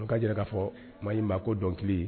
Sokɛ ka jira k'a fɔ maa ma ko dɔnkili ye